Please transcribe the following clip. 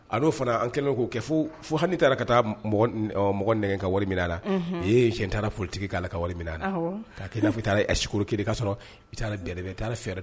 A n'o fana an kɛlen'o kɛ fo fo hali taara ka taa nɛgɛgɛn ka wari mina la i ye cɛn taara ptigi k'a la ka wari min a la ka kɛ na taara a ki ka sɔrɔ i taaraɛrɛ taa fɛɛrɛ dɛ